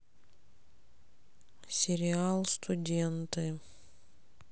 сериал студенты